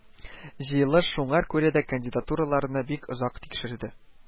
Җыелыш шуңар күрә дә кандидатураларны бик озак тикшерде